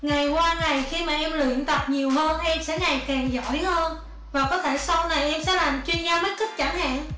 ngày qua ngày khi mà em luyện tập nhiều hơn em sẽ ngày càng giỏi hơn và có thể sau này em sẽ làm chuyên gia makeup chẳng hạn